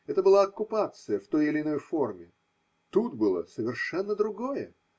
это была оккупация, в той или иной форме. Тут было совершенно другое.